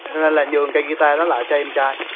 nên là nhường cây ghi ta đó lại cho em trai